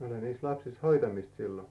olihan niissä lapsissa hoitamista silloin